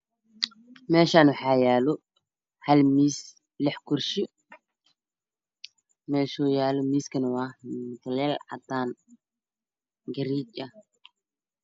Meeshan waxa yaalo halmis Lexkursi meshuuyaalo miska mutalel cadan gariij ah